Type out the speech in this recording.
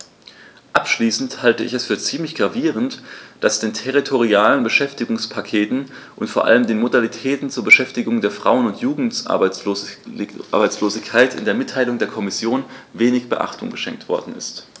Abschließend halte ich es für ziemlich gravierend, dass den territorialen Beschäftigungspakten und vor allem den Modalitäten zur Bekämpfung der Frauen- und Jugendarbeitslosigkeit in der Mitteilung der Kommission wenig Beachtung geschenkt worden ist.